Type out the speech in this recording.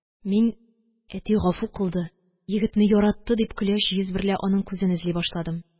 Мин, әти гафу кылды, егетне яратты дип, көләч йөз берлә аның күзен эзли башладым.